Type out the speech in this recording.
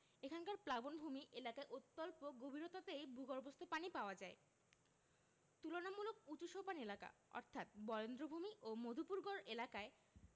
এখানকার প্লাবনভূমি এলাকায় অত্যল্প গভীরতাতেই ভূগর্ভস্থ পানি পাওয়া যায় তুলনামূলক উঁচু সোপান এলাকা অর্থাৎ বরেন্দ্রভূমি ও মধুপুরগড় এলাকায়